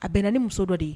A bɛnna ni muso dɔ de ye